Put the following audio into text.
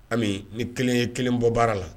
Ami ni kelen ye kelen bɔ baara la